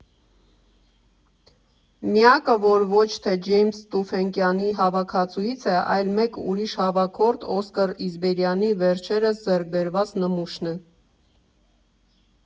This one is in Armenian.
Միակը, որ ոչ թե Ջեյմս Թուֆենկյանի հավաքածուից է, այլ մեկ ուրիշ հավաքորդ՝ Օսկար Իզբերյանի վերջերս ձեռքբերված նմուշն է։